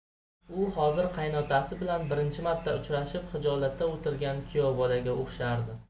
u hozir qaynotasi bilan birinchi marta uchrashib xijolatda o'tirgan kuyovbolaga o'xshardi